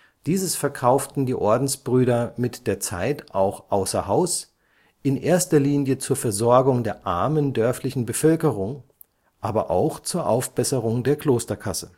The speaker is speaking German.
Dieses verkauften die Ordensbrüder mit der Zeit auch außer Haus, in erster Linie zur Versorgung der armen dörflichen Bevölkerung, aber auch zur Aufbesserung der Klosterkasse